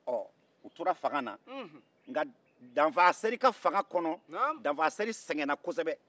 ɔ u tora fanga na nka danfasɛri ka fanga kɔnɔ danfasɛri sɛgenna kosɛbɛ